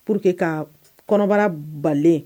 Pour que ka kɔnɔbara balen